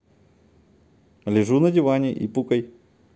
лежу на диване и пукай